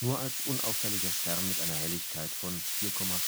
nur als unauffälliger Stern mit einer Helligkeit von 4,5m